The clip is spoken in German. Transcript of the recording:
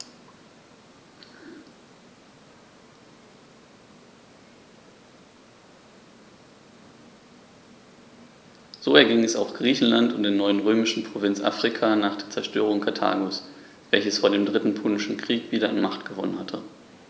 So erging es auch Griechenland und der neuen römischen Provinz Afrika nach der Zerstörung Karthagos, welches vor dem Dritten Punischen Krieg wieder an Macht gewonnen hatte.